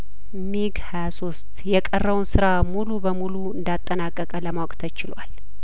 ሚግ ሀያሶስት የቀረውን ስራ ሙሉ በሙሉ እንዳ ጠናቀቀ ለማወቅ ተችሏል